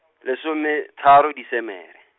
lesometharo Desemere.